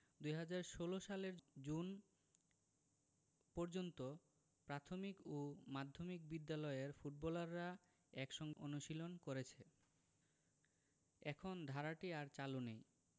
২০১৬ সালের জুন পর্যন্ত প্রাথমিক ও মাধ্যমিক বিদ্যালয়ের ফুটবলাররা একসঙ্গে অনুশীলন করেছে এখন ধারাটি আর চালু নেই